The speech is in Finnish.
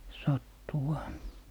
sattuuhan